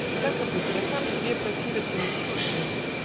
Но так и быть: я сам себе Противиться не в силах боле